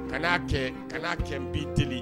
Ka'a kɛ kaa kɛ n bint